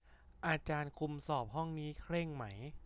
อาจารย์คุมสอบห้องนี้เคร่งไหม